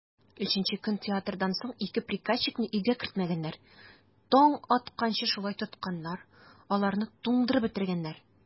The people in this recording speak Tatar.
Өченче көн театрдан соң ике приказчикны өйгә кертмәгәннәр, таң атканчы шулай тотканнар, аларны туңдырып бетергәннәр.